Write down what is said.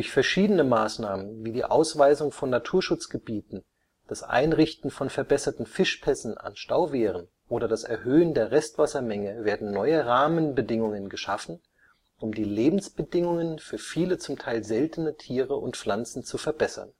verschiedene Maßnahmen wie die Ausweisung von Naturschutzgebieten, das Einrichten von verbesserten Fischpässen an Stauwehren oder das Erhöhen der Restwassermenge werden neue Rahmenbedingungen geschaffen, um die Lebensbedingungen für viele zum Teil seltene Tiere und Pflanzen zu verbessern